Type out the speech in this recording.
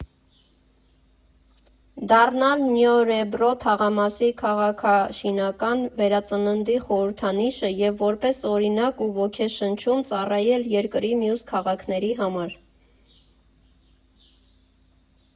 Դառնալ Նյորեբրո թաղամասի քաղաքաշինական վերածննդի խորհրդանիշը և որպես օրինակ ու ոգեշնչում ծառայել երկրի մյուս քաղաքների համար։